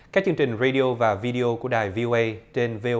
các chương trình rây đi ô và vi đi ô của đài vi ô ây trên vê